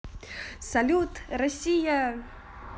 салют россия